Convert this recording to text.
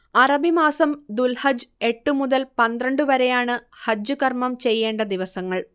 അറബിമാസം ദുൽഹജ്ജ് എട്ട് മുതൽ പന്ത്രണ്ട് വരെയാണ് ഹജ്ജ് കർമ്മം ചെയ്യേണ്ട ദിവസങ്ങൾ